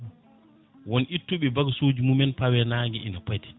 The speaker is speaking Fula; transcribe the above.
woon ittu bagages uji mumen pawe nangue ina paadi